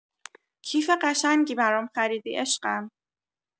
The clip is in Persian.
کیف قشنگی برام خریدی عشقم.